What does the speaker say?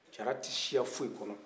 jara te siya fosi kɔnɔ